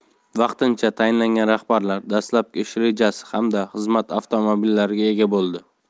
vaqtincha tayinlangan rahbarlar dastlabki ish rejasi hamda xizmat avtomobillariga ega bo'ldi